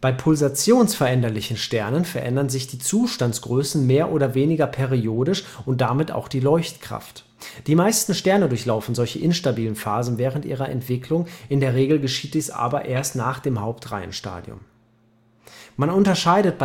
Pulsationsveränderliche. Dabei verändern sich die Zustandsgrößen mehr oder weniger periodisch und damit auch die Leuchtkraft. Die meisten Sterne durchlaufen solche instabile Phasen während ihrer Entwicklung, in der Regel aber erst nach dem Hauptreihenstadium. Man unterscheidet